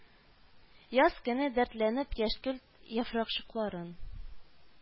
Яз көне дәртләнеп яшькелт яфракчыкларын